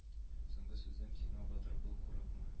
Соңгы сүзем сиңа батыр бул курыкма